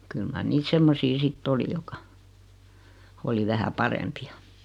kyllä mar niitä semmoisia sitten oli jotka oli vähän parempia